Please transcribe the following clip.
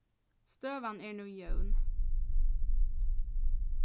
støðan er nú jøvn